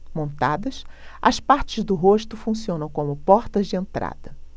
montadas as partes do rosto funcionam como portas de entrada